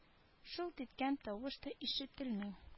Шылт иткән тавыш та ишетелми